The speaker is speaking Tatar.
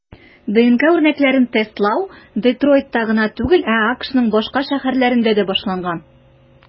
ДНК үрнәкләрен тестлау Детройтта гына түгел, ә АКШның башка шәһәрләрендә дә башланган.